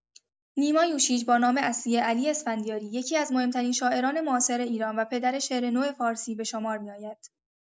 نیما یوشیج با نام اصلی علی اسفندیاری یکی‌از مهم‌ترین شاعران معاصر ایران و پدر شعر نو فارسی به شمار می‌آید.